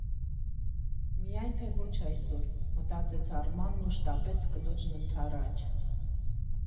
«Միայն թե ոչ այսօր», մտածեց Արմանն ու շտապեց կնոջն ընդառաջ։